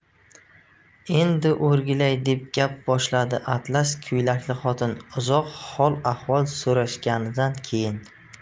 endi o'rgilay deb gap boshladi atlas ko'ylakli xotin uzoq hol ahvol so'rashganidan keyin